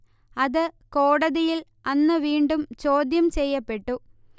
അത് കോടതിയിൽ അന്ന് വീണ്ടും ചോദ്യം ചെയ്യപ്പെട്ടു